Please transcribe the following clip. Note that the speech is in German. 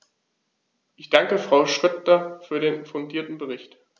Ich danke Frau Schroedter für den fundierten Bericht.